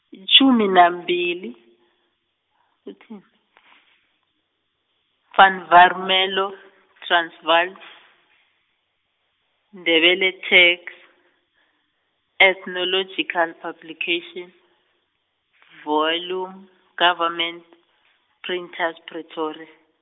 itjhumi nambili, , van Warmelo Transvaal , Ndebele text, Ethnological Publication, volume Government Printers Pretoria.